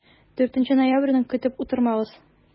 4 ноябрьне көтеп утырмагыз!